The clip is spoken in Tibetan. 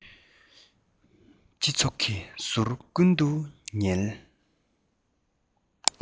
སྤྱི ཚོགས ཀྱི ཟུར ཀུན ཏུ ཉུལ